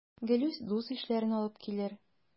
Гелүс дус-ишләрен алып килер.